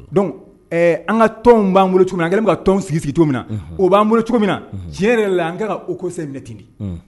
Donc an ka tɔnw b'an bolo cogo min na, an kɛlen don ka tɔn sigi sigi cogo min na , o b'an bolo cogo min na tiɲɛ yɛrɛ la an ka kan haut conseil minɛten de.